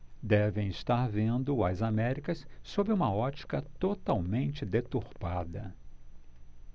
devem estar vendo as américas sob uma ótica totalmente deturpada